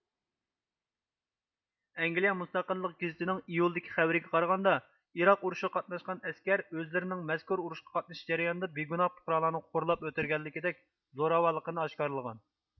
ئەنگىليە مۇستەقىللق گېزىتى نىڭ ئىيۇلدىكى خەۋىرىگە قارىغاندا ئېراق ئۇرۇشىغا قاتناشقان ئەسكەر ئۆزلىرىنىڭ مەزكۇر ئۇرۇشقا قاتنىشىش جەريانىدا بىگۇناھ پۇقرالارنى خورلاپ ئۆلتۈرگەنلىكىدەك زوراۋانلىقىنى ئاشكارىلغان